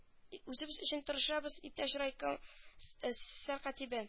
Үзебез өчен тырышабыз иптәш райком сәркәтибе